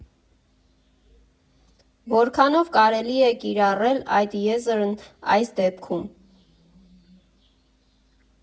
Որքանով կարելի է կիրառել այդ եզրն այս դեպքում։